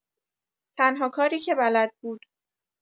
تنها کاری که بلد بود